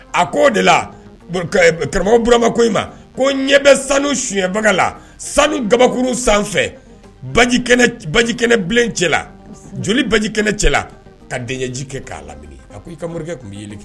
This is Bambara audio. A ko o de la karamɔgɔ burama ko i ma ko ɲɛ bɛ sanu suɲɛbaga la sanu kababakuru sanfɛ baji bajikɛnɛ bilen cɛla la joli bajikɛnɛ cɛ la ka denkɛji kɛ k'a la a ko i ka morikɛ tun bɛli kɛ